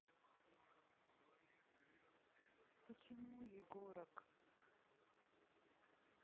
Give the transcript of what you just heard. почему егорок